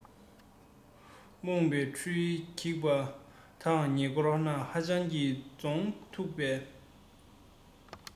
རྨོངས པས འདྲུལ གྱིན པ དག ཉེ འཁོར ན ཧ ཅང གི རྫོང མཐུག པས